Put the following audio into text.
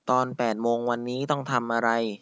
ตอนแปดโมงวันนี้ต้องทำอะไร